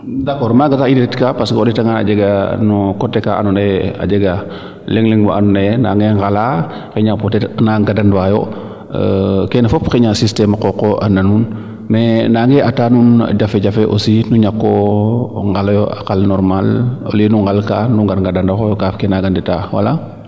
d' accord maga sax i ndet ka yaam o ndeta ngaan a jega no coté kaa ando naye a jega leŋ leŋ waa ando naye naange ngala xayna peut etre a na ngadan waa yo keene fop oxey no syteme qooxale nuun mais naange ata nuun jafe jafe aussi nu ñako ngaloyo a qal normale au lieu nu ngal kaa nu ngadano yo kaaf ke naaga ndeta wala